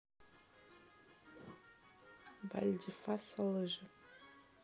валь ди фасса лыжи